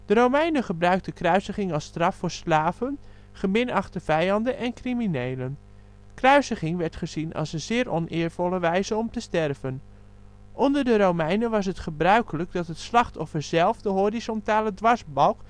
Romeinen gebruikten kruisiging als straf voor slaven, geminachte vijanden en criminelen. Kruisiging werd gezien als een zeer oneervolle wijze om te sterven. Onder de Romeinen was het gebruikelijk dat het slachtoffer zelf de horizontale dwarsbalk